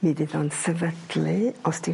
Mi fydd o'n sefydlu os 'di...